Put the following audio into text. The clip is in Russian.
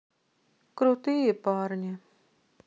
крутые парни